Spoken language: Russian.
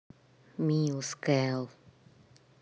милс кел